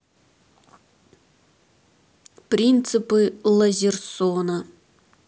принципы лазерсона